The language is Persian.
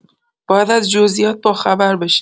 باید از جزئیات باخبر بشه!